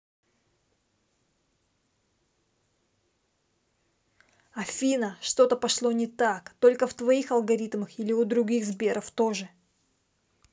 афина что то пошло не так только в твоих алгоритмах или у других сберов тоже